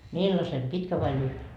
millaisen pitkän vai lyhyen